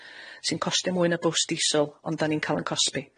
sy'n costio mwy na bws dîsl, ond 'dan ni'n ca'l yn cosbi.